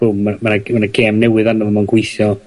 boom ma' ma' roi ma' 'na gêm newydd arno fo ma'n gweithio